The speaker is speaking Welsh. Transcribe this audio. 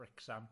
Wrecsam.